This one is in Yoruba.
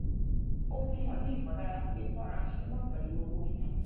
Ó fún wọn ní ìmọ̀lára pé wọn ra aṣọ náà pẹ̀lú owó wọn